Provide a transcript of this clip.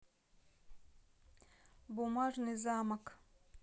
бумажный замок